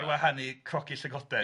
ar wahân i crogi llygoden.